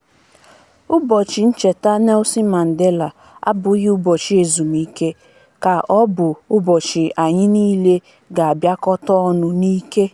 Ụbọchị ncheta Nelson Mandela abụghị ụbọchị ezumike, ka ma ọ bụ ụbọchị anyị niile ga-abịakọta ọnụ n'ike.